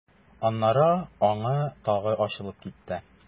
Аннары аңы тагы ачылып китте.